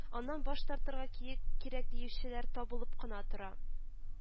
Аннан баш тартырга кирәк диючеләр табылып кына тора